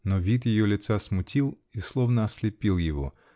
Но вид ее лица смутил и словно ослепил его.